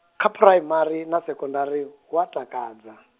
kha phuraimari na sekondari, hu a takadza.